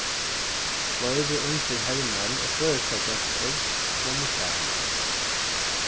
fleiri ungir hermenn og føroyskar gentur funnu saman